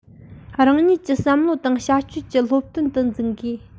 རང ཉིད ཀྱི བསམ བློ དང བྱ སྤྱོད ཀྱི སློབ སྟོན དུ འཛིན དགོས